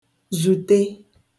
zùte